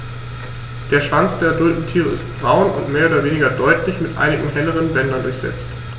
Der Schwanz der adulten Tiere ist braun und mehr oder weniger deutlich mit einigen helleren Bändern durchsetzt.